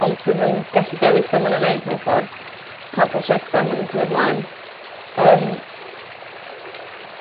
ond sydd yn gallu dewis be' ma' nw'n neud mewn ffor. Pa projecta ma' nw'n cymyd mlaen. Yym.